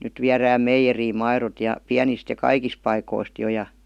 nyt viedään meijeriin maidot ja pienistä ja kaikista paikoista jo ja